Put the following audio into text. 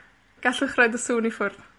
gallech rhoid y sŵn i ffwrdd.